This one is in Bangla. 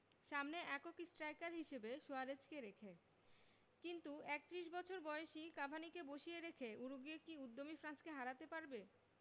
সামনে একক স্ট্রাইকার হিসেবে সুয়ারেজকে রেখে কিন্তু ৩১ বছর বয়সী কাভানিকে বসিয়ে রেখে উরুগুয়ে কি উদ্যমী ফ্রান্সকে হারাতে পারবে